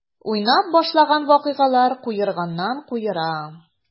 Уйнап башланган вакыйгалар куерганнан-куера.